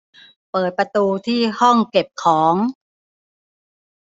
เปิดประตูที่ห้องเก็บของ